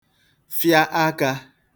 fịa akā